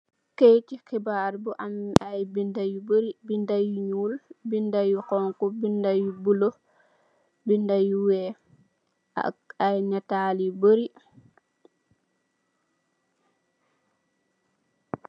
Kayiti xibarr bu am ay bindé yu bari, bindé yu ñuul, bindé yu xonxu, bindé yu bula, bindé yu wèèx ak ay nital yu barri.